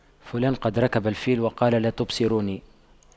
فلان قد ركب الفيل وقال لا تبصروني